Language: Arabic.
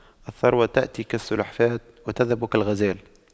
الثروة تأتي كالسلحفاة وتذهب كالغزال